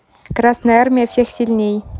красная армия всех сильней